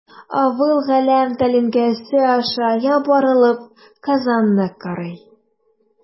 Авыл галәм тәлинкәсе аша ябырылып Казанны карый.